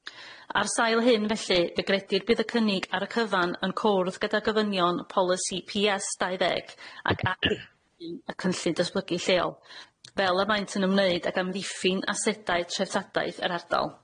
Ar sail hyn felly fe gredir bydd y cynnig ar y cyfan yn cwrdd gyda'r gofynion polisi Pee Ess dau ddeg ag y cynllun datblygu lleol fel y maent yn ymwneud ag amddiffyn asedau treftadaeth yr ardal.